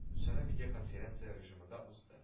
Чара видеоконференция режимында узды